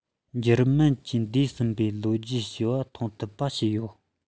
འཇར མན གྱིས འདས ཟིན པའི ལོ རྒྱུས བྱེད པའི མཐོང ཐུབ པ བྱས ཡོད